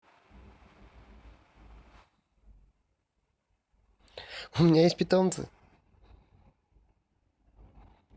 у меня есть питомцы